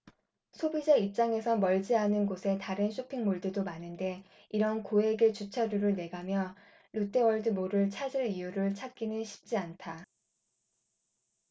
소비자 입장에선 멀지 않은 곳에 다른 쇼핑 몰들도 많은데 이런 고액의 주차료를 내가며 롯데월드몰을 찾을 이유를 찾기는 쉽지 않다